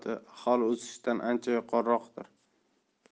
sur'ati aholi o'sishidan ancha yuqoriroqdir